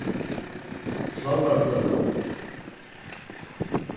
svalbardsgøta